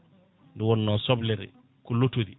nde wonno soblere ko lottorie